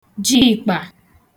jiị̀kpà